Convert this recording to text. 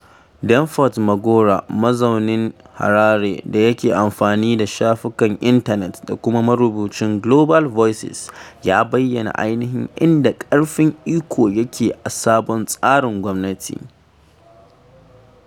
Denford Magora, mazaunin Harare da yake amfani da shafukan intanet kuma Marubucin Global Voices ya bayyana ainihin inda ƙarfin iko yake a sabon tsarin gwamnati.